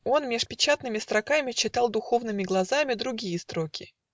Он меж печатными строками Читал духовными глазами Другие строки.